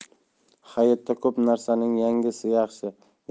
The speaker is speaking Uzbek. hayotda ko'p narsaning yangisi yaxshi